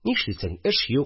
Нишлисең, эш юк